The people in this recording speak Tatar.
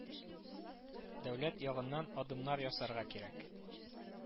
Дәүләт ягыннан адымнар ясарга кирәк